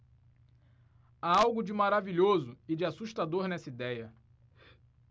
há algo de maravilhoso e de assustador nessa idéia